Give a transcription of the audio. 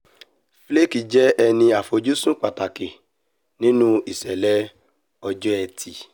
Flake jẹ́ ẹni àfojúsùn pàtàkì nínú ìṣẹ̀lẹ ọjọ́ Ẹtì.